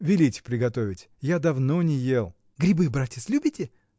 Велите приготовить: я давно не ел. — Грибы, братец, любите?